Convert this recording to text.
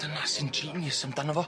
Dyna sy'n genius amdano fo.